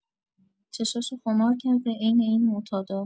چشاشو خمار کرده عین این معتادا